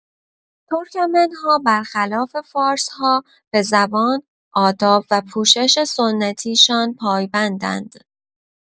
ترکمن‌ها بر خلاف فارس‌ها به زبان، آداب و پوشش سنتی‌شان پایبندند.